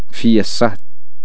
فيا الصهد